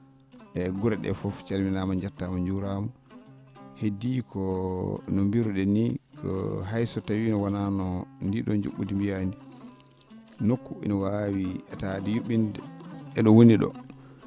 e gure ?ee fof calminaama njettaama njuuraama heddii ko no mbiru?en nii hayso tawii wonaano ndii ?oo nju??udi mbiyaandi nokku ene waawi etaade yu??inde e ?o woni ?o